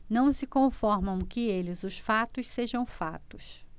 não se conformam que eles os fatos sejam fatos